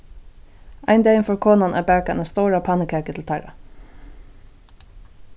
ein dagin fór konan at baka eina stóra pannukaku til teirra